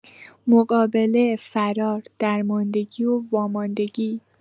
مقابله، فرار، درماندگی، و واماندگی